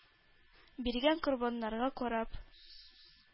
Биргән корбаннарга карап